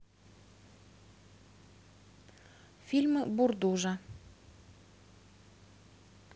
фильмы бурдужа